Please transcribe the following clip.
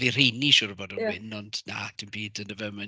Bydd rheini siŵr o fod yn... ie. ...wyn, ond na, dim byd, yn dyfe.